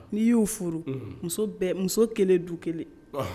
N'i y'u furu muso muso kelen du kelen